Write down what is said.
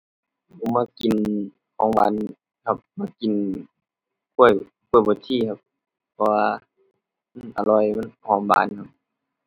ผมมักกินของหวานครับ มักกินกล้วย กล้วยบวชชีครับ เพราะว่ามันอร่อย มันหอมหวานครับ